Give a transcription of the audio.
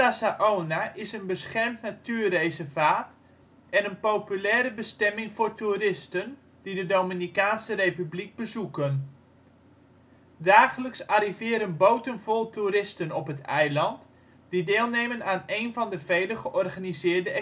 Saona is een beschermd natuurreservaat en een populaire bestemming voor toeristen die de Dominicaanse Republiek bezoeken. Dagelijks arriveren boten vol toeristen op het eiland, die deelnemen aan een van de vele georganiseerde